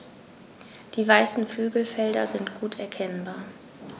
Die weißen Flügelfelder sind gut erkennbar.